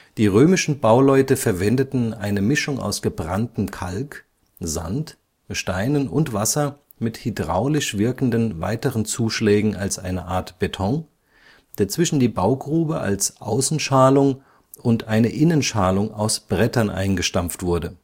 Die römischen Bauleute verwendeten eine Mischung aus gebranntem Kalk, Sand, Steinen und Wasser mit hydraulisch wirkenden weiteren Zuschlägen als eine Art Beton, der zwischen die Baugrube als Außenschalung und eine Innenschalung aus Brettern eingestampft wurde